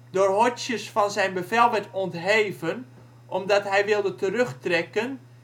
door Hodges van zijn bevel werd ontheven omdat hij wilde terugtrekken